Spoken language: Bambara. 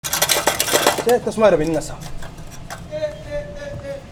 Tasuma yɛrɛ bɛ ɲini ka sa o, tee, tee